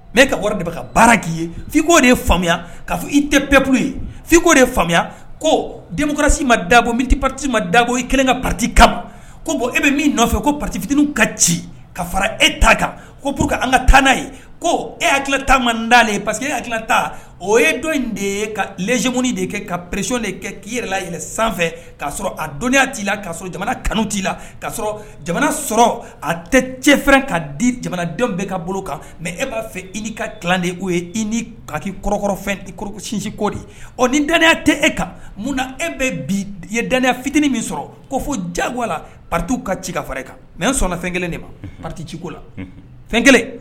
Mɛ ka bɔra de ka baara k'i ye fkoo de ye faamuyaya kaa fɔ i tɛ pepur ye f kkoo de ye faya ko denkɔrɔsi ma da misiti pati ma da i kelen ka pati kamama ko bɔn e bɛ min nɔfɛ koti fitinin ka ci ka fara e ta kan ko que an ka taa ye ko e hakilikila tan'ale ye pari que e hakilikila ta o ye dɔ in de ye ka muuni de kɛ ka pression de kɛ k'i yɛrɛlaɛlɛn sanfɛ k ka sɔrɔ a dɔnniya t' la'a sɔrɔ jamana kanu t'i la k'a sɔrɔ jamana sɔrɔ a tɛ cɛ fɛn ka di jamana dɔn bɛɛ ka bolo kan mɛ e b'a fɛ i ni ka de' ye i ni kaki kɔrɔkɔrɔfɛn i sinsinko di ni daya tɛ e kan munna na e bɛ bi ye daya fitinin min sɔrɔ ko fɔ jago la patiw ka ci ka fara e kan mɛ sɔnna fɛn kelen de ma pati ci ko la fɛn kelen